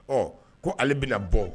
Ɔ ko ale bɛna bɔ